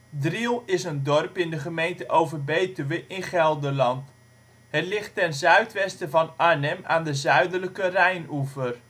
Driel is een dorp in de gemeente Overbetuwe in Gelderland. Het ligt ten zuidwesten van Arnhem aan de zuidelijke Rijnoever